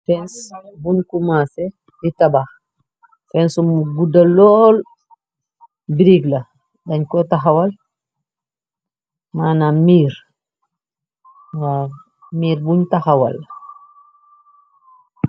Fence bun ku masè di tabah, fence su mu gudda lol, brick la den koy tahaw. Manam miir wa miir bun tahawal.